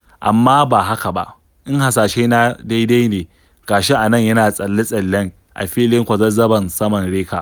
Amma ba haka ba, in hasashena daidai ne, ga shi a nan yana tsalle-tsalle a filin kwazazzaban saman Rekcha.